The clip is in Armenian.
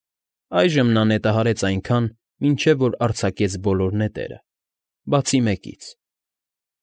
Այժմ նա նետահարեց այնքան, մինչև որ արձակեց բոլոր նետերը, բացի մեկից։